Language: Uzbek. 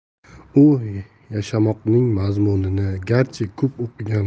u yashamoqning mazmunini garchi ko'p o'qigan